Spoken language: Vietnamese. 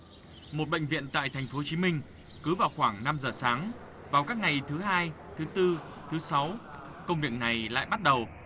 một bệnh viện tại thành phố chí minh cứ vào khoảng năm giờ sáng vào các ngày thứ hai thứ tư thứ sáu công việc này lại bắt đầu